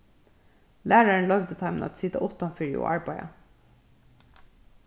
lærarin loyvdi teimum at sita uttanfyri og arbeiða